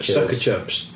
Suck a chups.